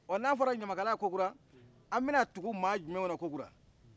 ɔ na fɔra ɲamakala kokura an bɛna tugu mɔgɔ jumɛnna kokura